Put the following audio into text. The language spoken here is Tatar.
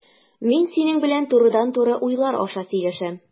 Мин синең белән турыдан-туры уйлар аша сөйләшәм.